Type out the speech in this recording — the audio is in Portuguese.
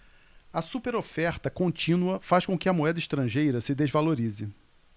a superoferta contínua faz com que a moeda estrangeira se desvalorize